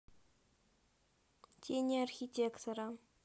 тени архитектора